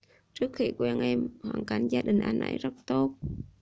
trước khi quen em hoàn cảnh gia đình anh ấy rất tốt